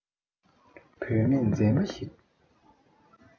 བུད མེད མཛེས མ ཞིག